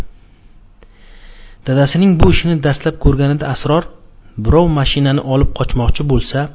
dadasining bu ishini dastlab ko'rganida sror birov mashinani olib qochmoqchi bo'lsa